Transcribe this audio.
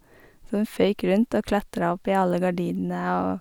Så hun føyk rundt og klatra opp i alle gardinene og...